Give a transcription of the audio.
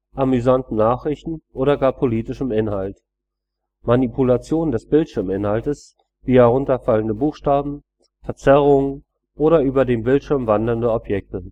amüsanten Nachrichten oder gar politischem Inhalt Manipulation des Bildschirminhaltes wie herunterfallende Buchstaben, Verzerrungen oder über den Bildschirm wandernde Objekte